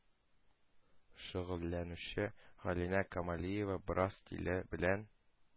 Шөгыльләнүче гөлинә камалиева брасс стиле белән